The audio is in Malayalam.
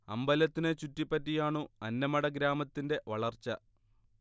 അമ്പലത്തിനെ ചുറ്റിപ്പറ്റിയാണു അന്നമട ഗ്രാമത്തിന്റെ വളർച്ച